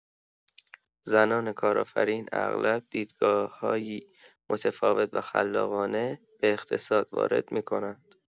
زنان کارآفرین اغلب دیدگاه‌هایی متفاوت و خلاقانه به اقتصاد وارد می‌کنند.